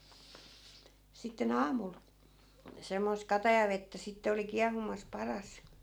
sitten aamulla semmoista katajavettä sitten oli kiehumassa padassa